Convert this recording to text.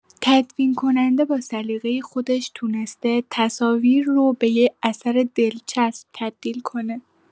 تدوین‌کننده با سلیقه خودش تونسته تصاویر رو به یه اثر دلچسب تبدیل کنه.